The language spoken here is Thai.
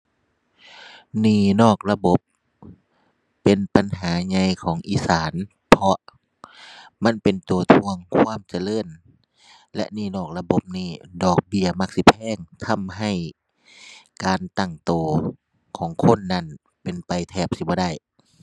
หนี้นอกระบบ เป็นปัญหาใหญ่ของอีสาน เพราะมันเป็นตัวถ่วงความเจริญ และหนี้นอกระบบนี้ ดอกเบี้ยมักสิแพงทำให้ การตั้งตัวของคนนั้นเป็นไปแทบสิบ่ได้